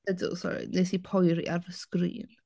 Ydw sori, wnes i poeri ar fy sgrin.